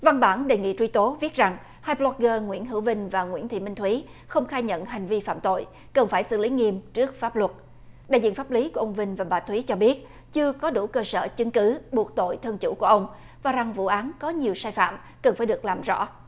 văn bản đề nghị truy tố viết rằng hai bờ lốc gơ nguyễn hữu bình và nguyễn thị minh thúy không khai nhận hành vi phạm tội cần phải xử lý nghiêm trước pháp luật đại diện pháp lý ông vinh và bà thúy cho biết chưa có đủ cơ sở chứng cứ buộc tội thân chủ của ông cho rằng vụ án có nhiều sai phạm cần phải được làm rõ